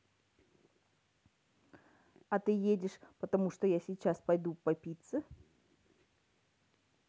а ты едешь потому что я сейчас пойду по пицце